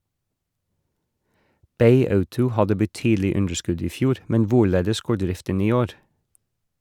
- Bay Auto hadde betydelig underskudd i fjor, men hvorledes går driften i år?